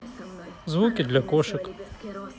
звуки для кошек